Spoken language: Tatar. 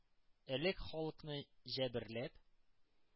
Элек халыкны җәберләп,